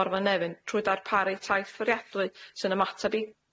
Morfa Nefyn trwy darparu tai fforiadwy sy'n ymateb i